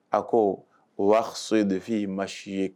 A ko: waksidi fii machiik